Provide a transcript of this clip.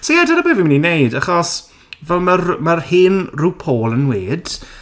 So ie, dyna be' fi'n mynd i wneud, achos, fel ma'r... ma'r hen Ru Paul yn weud...